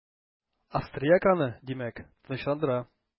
Австрияк аны димәк, тынычландыра.